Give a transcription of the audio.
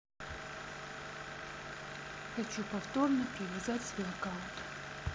хочу повторно привязать свой аккаунт